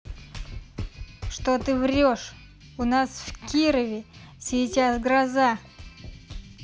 что ты врешь у нас в кирове сейчас гроза